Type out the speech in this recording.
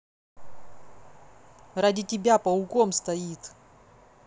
ради тебя пауком стоит